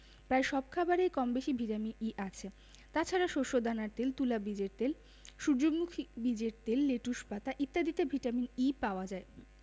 প্রায় সব খাবারেই কমবেশি ভিটামিন ই আছে তাছাড়া শস্যদানার তেল তুলা বীজের তেল সূর্যমুখী বীজের তেল লেটুস পাতা ইত্যাদিতে ভিটামিন ই পাওয়া যায়